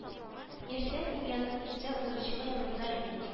Иртән уянып китсә уенчыгы янында юк